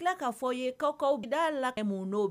Tila k kaa fɔ ye kɔkaw da la mun don bɛ